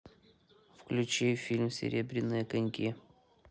включи фильм серебряные коньки